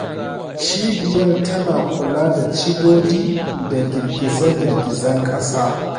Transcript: Cibiyar tana kula da cidodi da girgize-girgizen ƙasa.